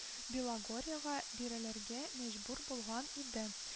Белогорьега бирелергә мәҗбүр булган иде